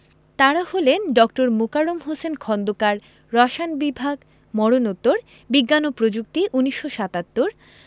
তাঁরা হলেন ড. মোকাররম হোসেন খন্দকার রসায়ন বিভাগ মরণোত্তর বিজ্ঞান ও প্রযুক্তি ১৯৭৭